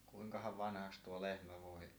kuinkahan vanhaksi tuo lehmä voi